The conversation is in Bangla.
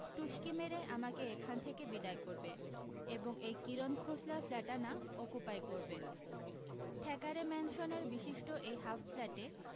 টুসকি মেরে আমাকে এখান থেকে বিদায় করবে এবং এই কিরণ খোসলার ফ্ল্যাটানা অকুপাই করবে থ্যাকারে ম্যানসনের বিশিষ্ট এই হাফ ফ্ল্যাটে